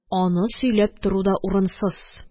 Аны сөйләп тору да урынсыз